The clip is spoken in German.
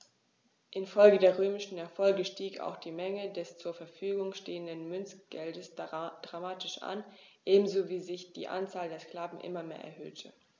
Infolge der römischen Erfolge stieg auch die Menge des zur Verfügung stehenden Münzgeldes dramatisch an, ebenso wie sich die Anzahl der Sklaven immer mehr erhöhte.